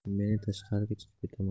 men tashqariga chiqib ketaman